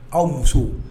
Aw musow